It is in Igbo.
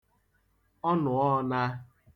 ọnụ̀ọọ̄nāā